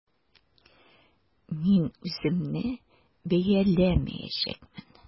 Мин үземне бәяләмәячәкмен.